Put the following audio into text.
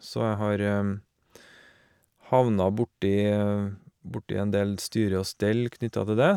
Så jeg har havna borti borti en del styre og stell knytta til dét.